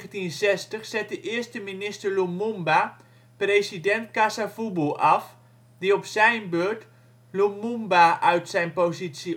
In september 1960 zette eerste-minister Lumumba president Kasa-Vubu af, die op zijn beurt Lumumba uit zijn positie